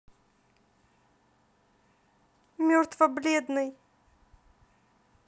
мертво бледный